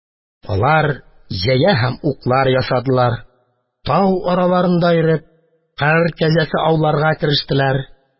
Алар җәя һәм уклар ясадылар, тау араларында йөреп, кыр кәҗәсе ауларга керештеләр.